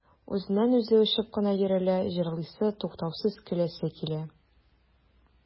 Үзеннән-үзе очып кына йөрелә, җырлыйсы, туктаусыз көләсе килә.